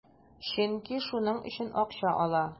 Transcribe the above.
Чөнки шуның өчен акча ала.